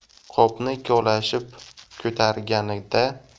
qopni ikkovlashib ko'targanida